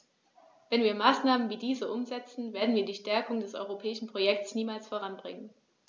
Wenn wir Maßnahmen wie diese umsetzen, werden wir die Stärkung des europäischen Projekts niemals voranbringen.